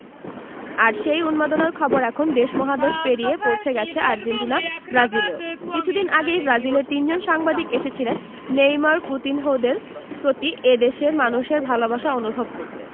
আর সেই উন্মাদনার খবর এখন দেশ মহাদেশ পেরিয়ে পৌঁছে গেছে আর্জেন্টিনা ব্রাজিলেও কিছুদিন আগেই ব্রাজিলের তিনজন সাংবাদিক এসেছিলেন নেইমার কুতিনহোদের প্রতি এ দেশের মানুষের ভালোবাসা অনুভব করতে